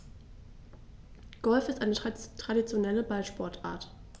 Golf ist eine traditionelle Ballsportart.